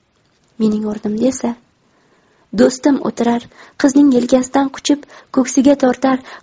mening o'rnimda esa do'stim o'tirar qizning yelkasidan quchib ko'ksiga tortar